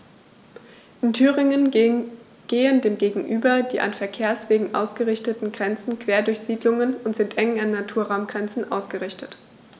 In Thüringen gehen dem gegenüber die an Verkehrswegen ausgerichteten Grenzen quer durch Siedlungen und sind eng an Naturraumgrenzen ausgerichtet.